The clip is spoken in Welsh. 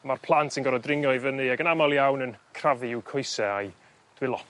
Ma'r plant yn gor'o' dringo i fyny ag yn amal iawn yn crafu i'w coese a'i dwylo.